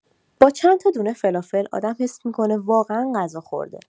با چندتا دونه فلافل، آدم حس می‌کنه واقعا غذا خورده.